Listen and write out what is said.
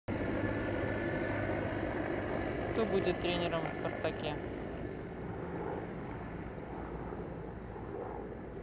кто будет тренером в спартаке